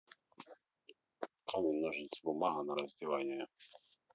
камень ножницы бумага на раздевание